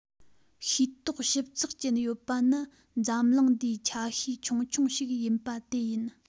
ཤེས རྟོགས ཞིབ ཚགས ཅན ཡོད པ ནི འཛམ གླིང འདིའི ཆ ཤས ཆུང ཆུང ཞིག ཡིན པ དེ ཡིན